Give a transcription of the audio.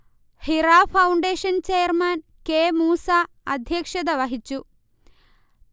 Hira foundation chairman K. Moosa അധ്യക്ഷത വഹിച്ചു